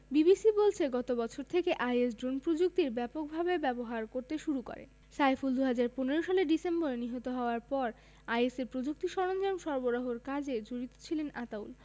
বিবিসির বলছে গত বছর থেকে আইএস ড্রোন প্রযুক্তি ব্যাপকভাবে ব্যবহার করতে শুরু করে সাইফুল ২০১৫ সালের ডিসেম্বরে নিহত হওয়ার পর আইএসের প্রযুক্তি সরঞ্জাম সরবরাহের কাজে জড়িত ছিলেন আতাউল